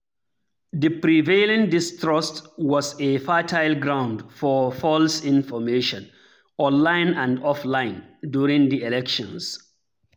The prevailing distrust was a fertile ground for false information – online and offline – during the elections.